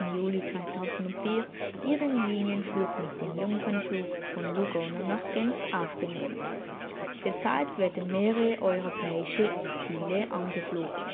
Juli 2004 ihren Linienflugbetrieb mit dem Jungfernflug von Lugano nach Genf aufgenommen. Derzeit (2007) werden mehrere europäische Ziele angeflogen